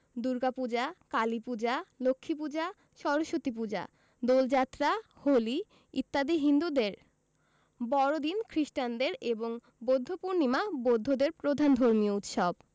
দুর্গাপূজা কালীপূজা লক্ষ্মীপূজা সরস্বতীপূজা দোলযাত্রা হোলি ইত্যাদি হিন্দুদের বড়দিন খ্রিস্টানদের এবং বৌদ্ধপূর্ণিমা বৌদ্ধদের প্রধান ধর্মীয় উৎসব